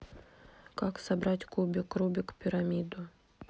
как собрать кубик рубик пирамиду